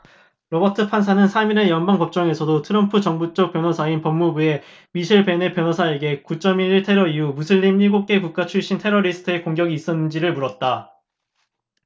로바트 판사는 삼 일의 연방법정에서도 트럼프 정부쪽 변호사인 법무부의 미셀 베넷 변호사에게 구 쩜 일 일 테러 이후 무슬림 일곱 개국가 출신 테러리스트의 공격이 있었는지를 물었다